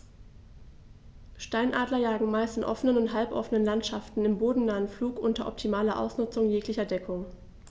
Steinadler jagen meist in offenen oder halboffenen Landschaften im bodennahen Flug unter optimaler Ausnutzung jeglicher Deckung.